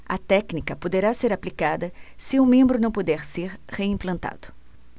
a técnica poderá ser aplicada se o membro não puder ser reimplantado